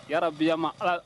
Yabiya ma ala